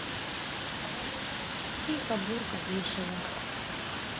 сивка бурка вещая